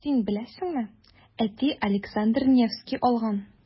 Ә син беләсеңме, әти Александр Невский алган.